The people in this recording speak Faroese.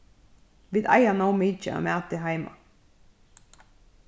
vit eiga nóg mikið av mati heima